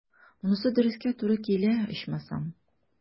Монысы дөрескә туры килә, ичмасам.